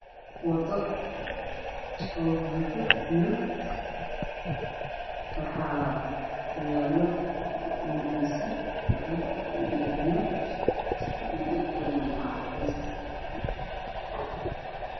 Waa wado biyo kabuuxo waxaa yaalo guryo cadeys ah.